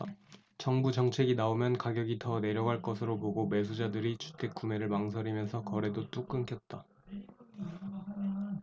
정부 정책이 나오면 가격이 더 내려갈 것으로 보고 매수자들이 주택 구매를 망설이면서 거래도 뚝 끊겼다